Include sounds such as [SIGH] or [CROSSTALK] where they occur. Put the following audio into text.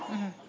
[HESITATION] [HESITATION]